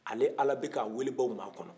ale ala bɛ k'a welebaaw makɔnɔ